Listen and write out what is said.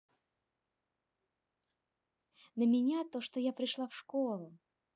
на меня то что я пришла в школу